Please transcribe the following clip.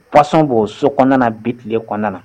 Pansɔn bo so kɔnɔna na bi kile kɔnɔna na